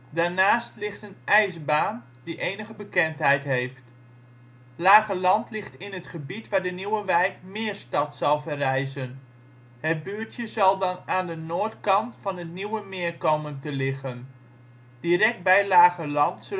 Daarnaast ligt een ijsbaan die enige bekendheid heeft. Lageland ligt in het gebied waar de nieuwe wijk Meerstad zal verrijzen. Het buurtje zal dan aan de noordkant van het nieuwe meer komen te liggen. Direct bij Lageland